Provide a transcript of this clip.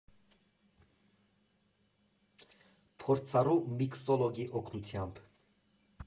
Փորձառու միքսոլոգի օգնությամբ։